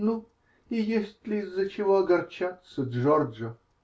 -- Ну, и есть ли из-за чего огорчаться, Джорджо?